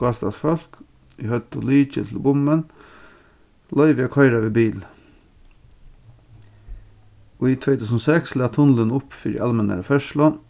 gásadalsfólk ið høvdu lykil til bummin loyvi at koyra við bili í tvey túsund og seks lat tunnilin upp fyri almennari ferðslu